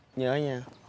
nhớ nha